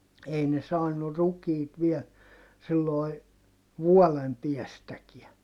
ei ne saanut rukiita vielä silloin vuoden päästäkään